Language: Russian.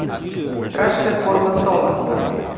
страшная форма томаса